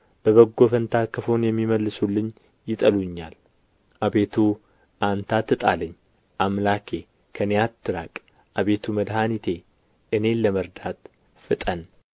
በበጎ ፋንታ ክፉን የሚመልሱልኝ ይጠሉኛል አቤቱ አንተ አትጣለኝ አምላኬ ከኔ አትራቅ አቤቱ መድኃኒቴ እኔን ለመርዳት ፍጠን